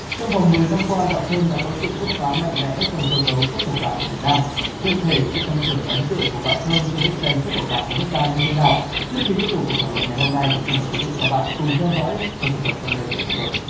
trong vòng mười năm qua gạo thơm đã có sự bứt phá mạnh mẽ trong cơ cấu xuất khẩu gạo của việt nam cụ thể sự tăng trưởng ấn tượng của gạo thơm cho bức tranh xuất khẩu gạo của nước ta như thế nào trước khi tiếp tục cuộc thảo luận ngày hôm nay thì xin mời quý vị và các bạn cùng theo dõi phần tổng hợp sau đây của chúng tôi